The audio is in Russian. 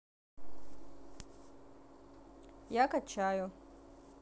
я качаю